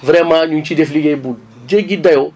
vraiment ñu ngi ciy def liggéey bu jéggi dayoo